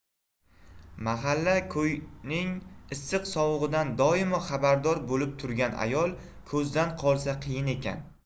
mahalla ko'yning issiq sovug'idan doimo xabardor bo'lib turgan ayol ko'zdan qolsa qiyin ekan